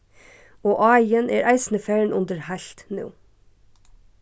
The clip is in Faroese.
og áin er eisini farin undir heilt nú